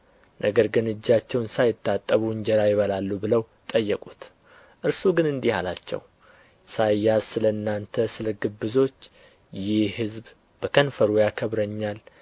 ነገር ግን እጃቸውን ሳይታጠቡ እንጀራ ይበላሉ ብለው ጠየቁት እርሱ ግን እንዲህ አላቸው ኢሳይያስ ስለ እናንተ ስለ ግብዞች ይህ ሕዝብ በከንፈሩ ያከብረኛል